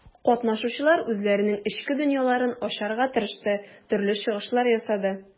Катнашучылар үзләренең эчке дөньяларын ачарга тырышты, төрле чыгышлар ясады.